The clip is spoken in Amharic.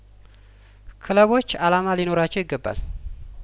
ክለቦች አላማ ሊኖራቸው ይገባል